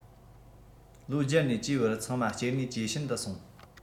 ལོ བརྒྱད ནས བཅུའི བར ཚང མ སྐྱེ ནུས ཇེ ཞན དུ སོང